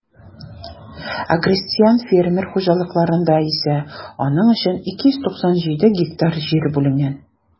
Ә крестьян-фермер хуҗалыкларында исә аның өчен 297 гектар җир бүленгән.